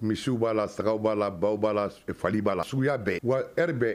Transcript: Misiw b'a la sagaw b'a la baw b'a la fali b' la suguya bɛɛ wa ri bɛ